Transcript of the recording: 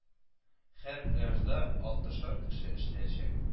Һәр пляжда алтышар кеше эшләячәк